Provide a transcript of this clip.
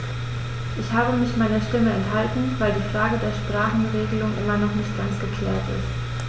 Ich habe mich meiner Stimme enthalten, weil die Frage der Sprachenregelung immer noch nicht ganz geklärt ist.